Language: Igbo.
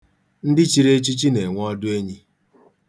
Ndị chiri echichi na-enwe ọdụenyi.